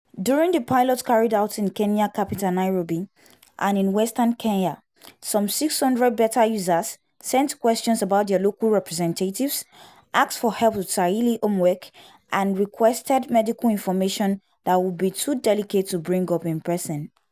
During the pilot carried out in the Kenyan capital Nairobi and in Western Kenya, some 600 beta users sent questions about their local representatives, asked for help with Swahili homework, and requested medical information that would be too delicate to bring up in person.